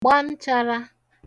gba nchārā